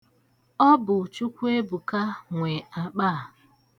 Ọ bụ Chukwuebùka nwe akpa a.